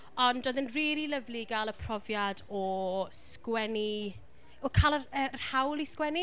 Ond oedd e’n rili lyfli i gael y profiad o sgwennu, o cael yr yy yr hawl i sgwennu.